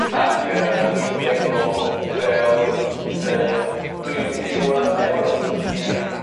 ag yy dw i'n teimlo fel yy dwi'n byw yn Ewrop i gyd.